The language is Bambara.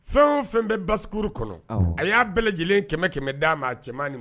Fɛn o fɛn bɛ baskkuru kɔnɔ a y'a bɛɛ lajɛlen kɛmɛ kɛmɛ da ma cɛman